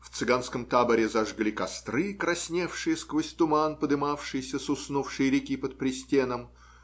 в цыганском таборе зажгли костры, красневшие сквозь туман, подымавшийся с уснувшей реки под пристеном.